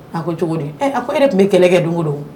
A ko cogo di a ko e tun bɛ kɛlɛ kɛ don don